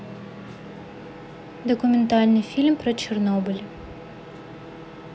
документальный фильм про чернобыль